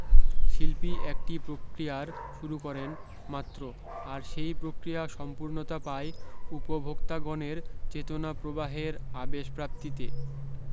শিল্পী একটি প্রক্রিয়ার শুরু করেন মাত্র আর সেই প্রক্রিয়া সম্পূর্ণতা পায় উপভোক্তাগণের চেতনাপ্রবাহের আবেশপ্রাপ্তিতে